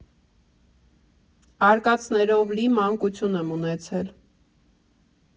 Արկածներով լի մանկություն եմ ունեցել։